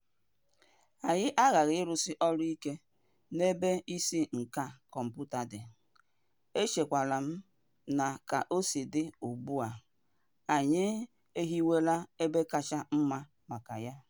Anyị aghaghị ịrụsi ọrụ ike n'ebe isi nka kọmputa dị, e chekwara m na ka o si dị ugbu a, anyị ehiwela ebe kacha mma maka ya.